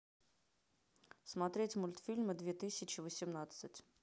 смотреть мультфильмы две тысячи восемнадцать